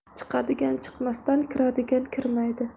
chiqadigan chiqmasdan kiradigan kirmaydi